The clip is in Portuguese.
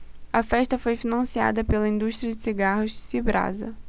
a festa foi financiada pela indústria de cigarros cibrasa